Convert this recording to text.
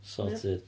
Sorted.